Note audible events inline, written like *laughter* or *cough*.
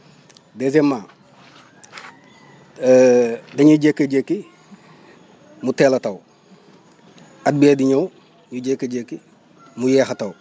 *breath* deuxièment *noise* *hesitation* dañu jékki-jékki mu teel a taw at bee di ñëw ñu jékki-jékki mu yéex a taw